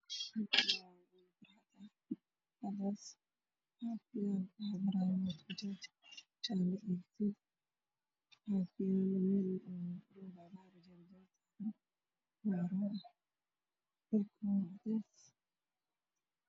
Waa mooto bajaaj mareysa waddada mootada kala horkeedu waa guduud waxaa wado nin wata shaar cadaana ah